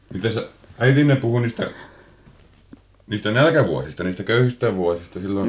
mitäs - äitinne puhui niistä niistä nälkävuosista niistä köyhistä vuosista silloin